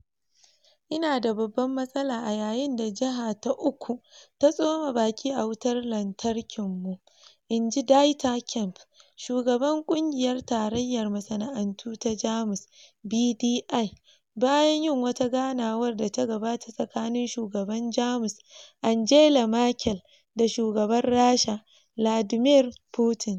"Ina da babban matsala a yayin da jiha ta uku ta tsoma baki a wutar lantarkinmu," in ji Dieter Kempf, shugaban kungiyar tarayyar masana'antu ta Jamus (BDI), bayan yin wata ganawar da ta gabata tsakanin shugaban Jamus Angela Merkel da shugaban Rasha Vladimir Putin.